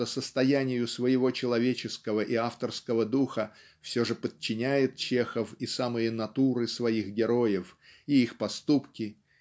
что состоянию своего человеческого и авторского духа все же подчиняет Чехов и самые натуры своих героев и их поступки